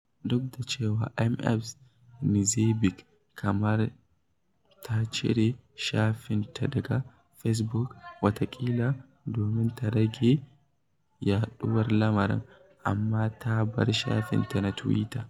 Duk da cewa Ms. Knezeɓic kamar ta cire shafinta daga Fesbuk, wataƙila domin ta rage yaɗuwar lamarin, amma ta bar shafinta na Tuwita.